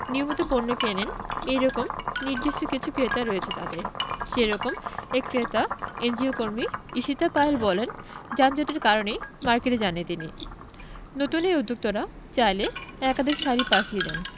নিয়মিত পণ্য কেনেন এ রকম নির্দিষ্ট কিছু ক্রেতা রয়েছে তাঁদের সে রকম এক ক্রেতা এনজিওকর্মী ঈশিতা পায়েল বলেন যানজটের কারণেই মার্কেটে যাননি তিনি নতুন এই উদ্যোক্তারা চাইলে একাধিক শাড়ি পাঠিয়ে দেন